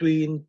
dwi'n